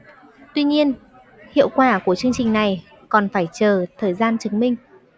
tuy nhiên hiệu quả của chương trình này còn phải chờ thời gian chứng minh